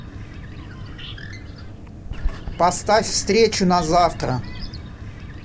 поставь встречу на завтра